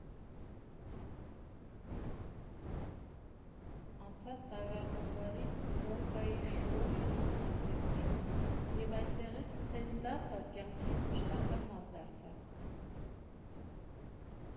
Անցած տարվա հունվարին «Մոյկայի» շոուին մասնակցեցի և այդտեղից սթենդափը կյանքիս մշտական մաս դարձավ։